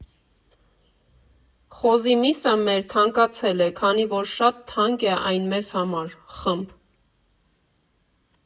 «խոզի միսը մեր թանկացել է, քանի որ շատ թանկ է այն մեզ համար» ֊ խմբ.